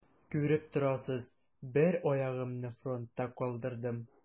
Күреп торасыз: бер аягымны фронтта калдырдым.